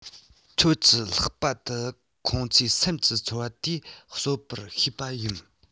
ཁྱོད ཀྱིས ལྷག པ དུ ཁོང ཚོས སེམས ཀྱི ཚོར བ དེ གསལ པོར ཤེས པ ཡིན